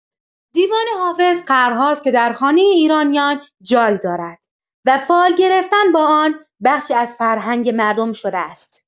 دیوان حافظ قرن‌هاست که در خانه ایرانیان جای دارد و فال گرفتن با آن بخشی از فرهنگ مردم شده است.